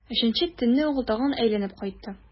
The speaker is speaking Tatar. Өченче төнне ул тагын әйләнеп кайтты.